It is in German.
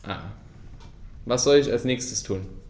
Was soll ich als Nächstes tun?